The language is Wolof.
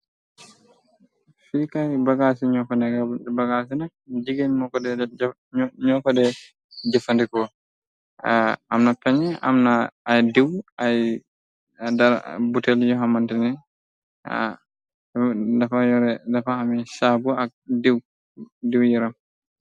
Firkaar yi bagaas ci ñooko e bagaas ci nak jigéen ñoo ko de jëfandikoo amna pañe ay diw ar butel yoxamante ni dafa yore dafa xami saabu ak diw yiram.